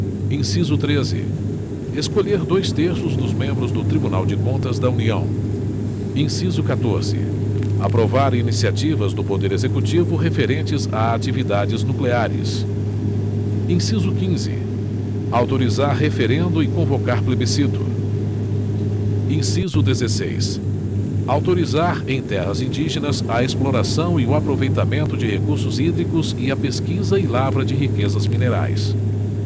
inciso treze escolher dois terços dos membros do tribunal de contas da união inciso catorze aprovar iniciativas do poder executivo referentes a atividades nucleares inciso quinze autorizar referendo e convocar plebiscito inciso dezesseis autorizar em terras indígenas a exploração e o aproveitamento de recursos hídricos e a pesquisa e lavra de riquezas minerais